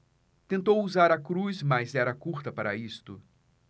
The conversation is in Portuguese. tentou usar a cruz mas era curta para isto